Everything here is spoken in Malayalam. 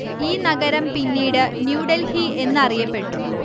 ഈ നഗരം പിന്നീട് ന്യൂ ഡെല്ഹി എന്ന് അറിയപ്പെട്ടു